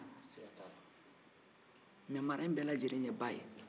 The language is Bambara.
nin baara in bɛɛ lajɛlen ye ba ye